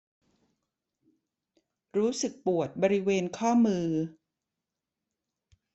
รู้สึกปวดบริเวณข้อมือ